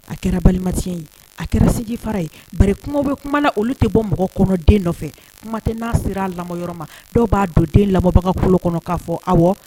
A kɛra balimatiyɛn ye a kɛra seginjifa ye ba kuma bɛ kuma na olu tɛ bɔ mɔgɔ kɔnɔden nɔfɛ kuma tɛ n'a sera a lamɔ yɔrɔ ma dɔw b'a don den labanbɔbagakolo kɔnɔ kaa fɔ aw